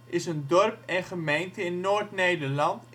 is een dorp en gemeente in Noord-Nederland